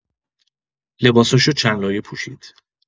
لباساشو چند لایه پوشید.